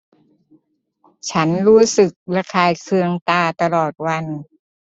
ฉันรู้สึกระคายเคืองตาตลอดวัน